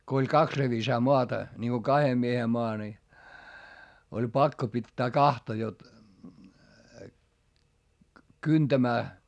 kun oli kaksi revisaa maata niin kun kahden miehen maa niin oli pakko pitää kahta jotta kyntämään